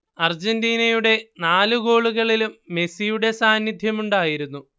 അർജന്റീനയുടെ നാല് ഗോളുകളിലും മെസ്സിയുടെ സാന്നിധ്യമുണ്ടായിരുന്നു